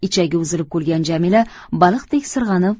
ichagi uzilib kulgan jamila baliqdek sirg'anib